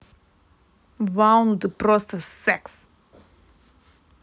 вауну ты просто секс